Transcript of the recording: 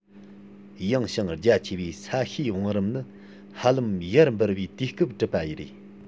ཡངས ཤིང རྒྱ ཆེ བའི ས གཤིས བང རིམ ནི ཧ ལམ ཡར འབུར བའི དུས སྐབས གྲུབ པ རེད